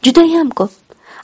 judayam ko'p